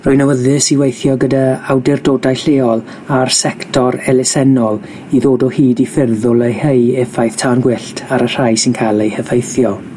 Rwy'n awyddus i weithio gyda awdurdodau lleol a'r sector elusennol i ddod o hyd i ffyrdd o leihei effaith tan gwyllt ar y rhai sy'n ca'l eu heffeithio.